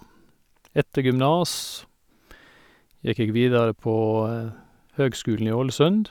Etter gymnas gikk jeg videre på Høgskulen i Ålesund.